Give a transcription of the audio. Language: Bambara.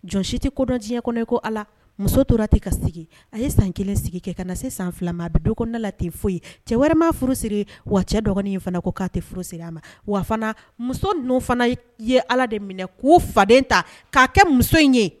Jɔn si tɛ kodɔn diɲɛ kɔnɔ ye ko ala muso tora tɛ ka sigi a ye san kelen sigi kɛ ka na se san fila ma a bɛ don kɔnɔnada la ten foyi ye cɛ wɛrɛma furu siri wa cɛ dɔgɔnin in fana ko k'a tɛ furu siri a ma wa fana muso ninnu fana ye ala de minɛ k'u faden ta k'a kɛ muso in ye